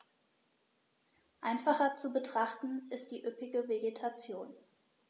Einfacher zu betrachten ist die üppige Vegetation.